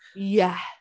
Ie.